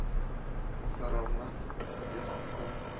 Мохтаровның пьесасын